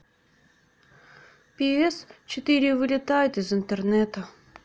пи эс четыре вылетает из интернета